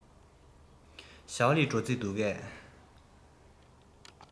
ཞའོ ལིའི འགྲོ རྩིས འདུག གས